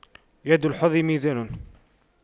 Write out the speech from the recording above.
يد الحر ميزان